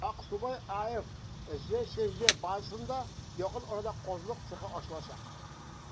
«аксубай» аф» җчҗ базасында якын арада казылык цехы ачылачак.